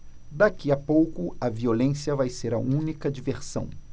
daqui a pouco a violência vai ser a única diversão